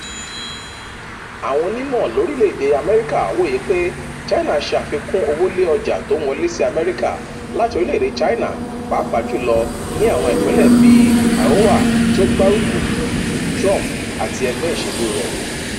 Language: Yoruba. Àwọn onímọ̀ lórílèedè U.S. wòye pé China ṣe àfikún owó lè ọjà tó ń wọlé sí U.S. láti orílẹ̀èdè China pàápàá jùlọ ní àwọn ìpínlẹ̀ bíi Iowa tí ó gbárùkù Trump àti ẹgbẹ́ ìṣèlú rẹ̀.